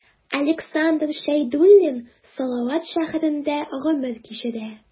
Александр Шәйдуллин Салават шәһәрендә гомер кичерә.